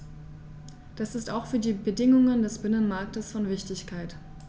Das ist auch für die Bedingungen des Binnenmarktes von Wichtigkeit.